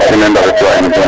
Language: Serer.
in way ndafetlu wa emission ne